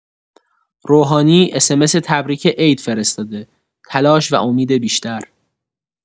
روحانی اس‌ام‌اس تبریک عید فرستاده، تلاش و امید بیشتر!